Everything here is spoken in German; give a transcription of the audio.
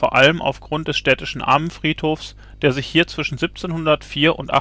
allem aufgrund des städtischen Armenfriedhofs, der sich hier zwischen 1704 und